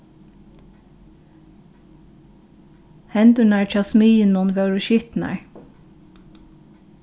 hendurnar hjá smiðinum vóru skitnar